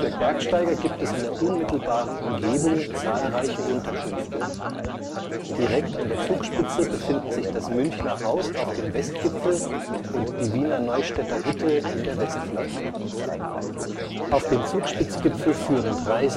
Bergsteiger gibt es in der unmittelbaren Umgebung zahlreiche Unterkünfte. Direkt an der Zugspitze befinden sich das Münchner Haus auf dem Westgipfel und die Wiener-Neustädter-Hütte in der Westflanke. Auf den Zugspitzgipfel führen drei